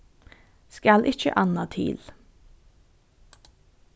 skal ikki annað til